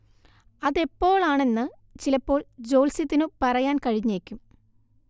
അതെപ്പോൾ ആണെന്ന് ചിലപ്പോൾ ജ്യോല്സ്യത്തിനു പറയാൻ കഴിഞ്ഞേക്കും